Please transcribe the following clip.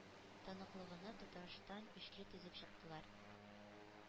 Таныклыгына тоташтан өчле тезеп чыктылар.